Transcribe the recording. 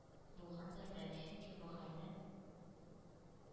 Булгандыр да, чөнки бу хәлне